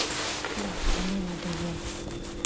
пин мне надоел